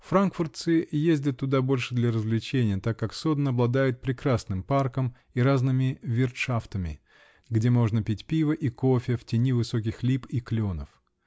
Франкфуртцы ездят туда больше для развлечения, так как Соден обладает прекрасным парком и разными "виртшафтами", где можно пить пиво и кофе в тени высоких лип и кленов.